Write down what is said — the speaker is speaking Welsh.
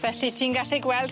Felly ti'n gallu gweld...